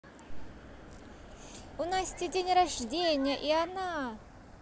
у насти день рождения и она